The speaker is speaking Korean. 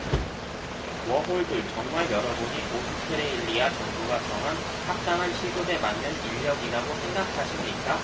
워홀들 정말 여러분이 오스트레일리아 정부가 정한 합당한 시급에 맞는 인력이라고 생각하십니까